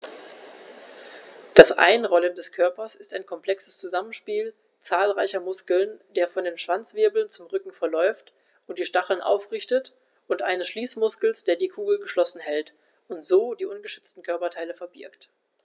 Das Einrollen des Körpers ist ein komplexes Zusammenspiel zahlreicher Muskeln, der von den Schwanzwirbeln zum Rücken verläuft und die Stacheln aufrichtet, und eines Schließmuskels, der die Kugel geschlossen hält und so die ungeschützten Körperteile verbirgt.